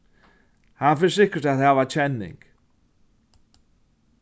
hann fer sikkurt at hava kenning